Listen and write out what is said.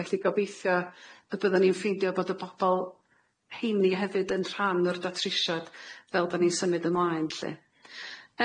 Felly gobeithio y byddwn ni'n ffeindio bod y bobol 'heini hefyd yn rhan o'r datrysiad fel bo' ni'n symud ymlaen lly.